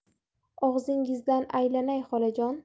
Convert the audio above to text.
og'zingizdan aylanay xolajon